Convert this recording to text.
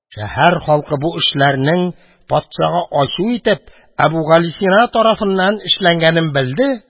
Шәһәр халкы бу эшләрнең патшага ачу итеп Әбүгалисина тарафыннан эшләнгәнлеген белде